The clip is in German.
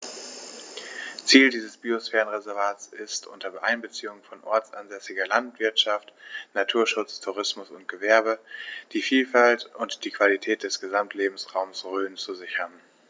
Ziel dieses Biosphärenreservates ist, unter Einbeziehung von ortsansässiger Landwirtschaft, Naturschutz, Tourismus und Gewerbe die Vielfalt und die Qualität des Gesamtlebensraumes Rhön zu sichern.